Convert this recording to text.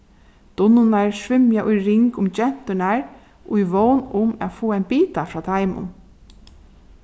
dunnurnar svimja í ring um genturnar í vón um at fáa ein bita frá teimum